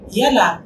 Diɲɛ la